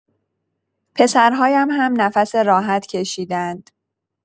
پسرهایم هم نفس راحت کشیدند.